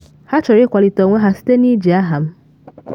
“Ha chọrọ ịkwalite onwe ha site na iji aha m.